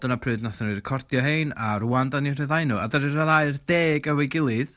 Dyna pryd wnaethon ni recordio 'hein a rŵan dan ni'n rhyddhau nhw. A dan ni'n rhyddhau'r deg efo'i gilydd.